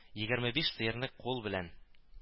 Егерме биш сыерны кул белән